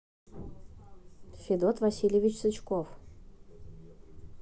федот васильевич сычков